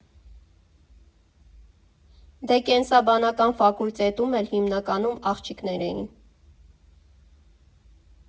Դե կենսաբանական ֆակուլտետում էլ հիմնականում աղջիկներ էին։